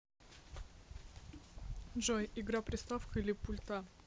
джой игра приставка или пульта